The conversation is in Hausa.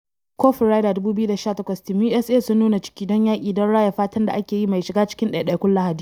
Kofin Ryder 2018: Team USA sun nuna ciki don yaƙi don raya fatan da ake yi mai shiga cikin ɗaiɗaikun Lahadi